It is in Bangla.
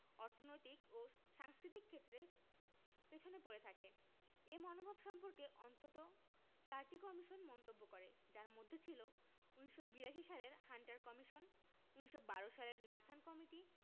অর্থনৈতিক ও সাংস্কৃতিক ক্ষেত্রে পেছনে পড়ে থাকে এ মনোভাব সম্পর্কে অন্তত চারটি কমিশন মন্তব্য করে যার মধ্যে ছিল ১৮৮২ সালের হান্টার কমিশন ১৯১২ সালের নাথান কমিটি